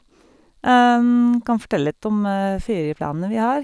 Kan fortelle litt om ferieplanene vi har.